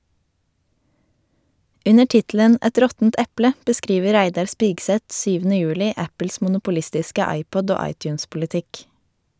Under tittelen "Et råttent eple" beskriver Reidar Spigseth 7. juli Apples monopolistiske iPod- og iTunes-politikk.